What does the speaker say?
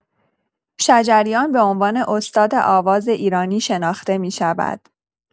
شجریان به عنوان استاد آواز ایرانی شناخته می‌شود.